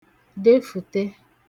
defùte